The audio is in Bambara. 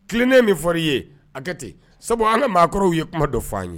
Tilennen min fɔ' ye hakɛ ten sabu an ka maakɔrɔw ye kuma dɔ f' ye